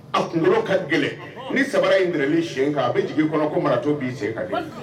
A kunkolo ka gɛlɛn ni saba in dli sen kan a bɛ jigin kɔnɔ ko mara to b'i sen ka